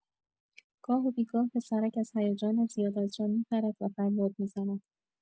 گاه و بی گاه، پسرک از هیجان زیاد از جا می‌پرد و فریاد می‌زند.